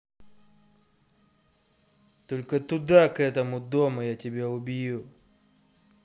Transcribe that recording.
только туда к этому дому я тебя убью